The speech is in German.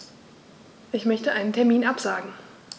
Ich möchte einen Termin absagen.